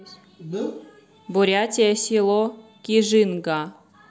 бурятия село кижинга